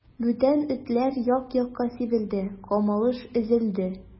Бүтән этләр як-якка сибелде, камалыш өзелде.